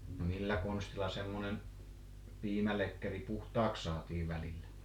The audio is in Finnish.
no millä konstilla semmoinen piimälekkeri puhtaaksi saatiin välillä